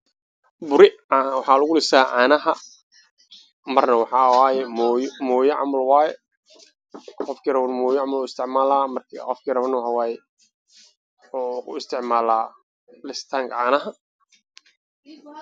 Meeshan waxaa iga muuqdo mooyo ku jiro wax la qasay